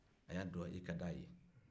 a y'a dɔn a ka di e ye